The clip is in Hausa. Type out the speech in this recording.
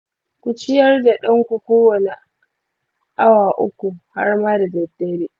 ku ciyar da ɗanku kowane awa uku, har ma da daddare.